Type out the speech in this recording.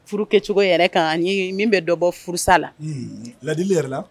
Furu kɛcogo yɛrɛ kan min bɛ dɔ bɔ furusa la ladi yɛrɛ la